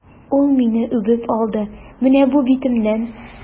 Ул мине үбеп алды, менә бу битемнән!